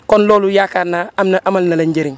kon loolu yaakaar naa am na amal na la njëriñ